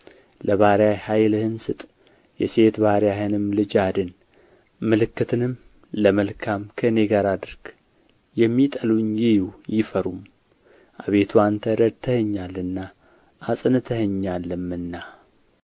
ለባሪያህ ኃይልህን ስጥ የሴት ባሪያህንም ልጅ አድን ምልክትንም ለመልካም ከእኔ ጋር አድርግ የሚጠሉኝ ይዩ ይፈሩም አቤቱ አንተ ረድተኸኛልና አጽንተኸኛልምና